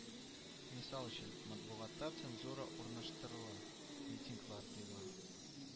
Мисал өчен, матбугатта цензура урнаштырыла, митинглар тыела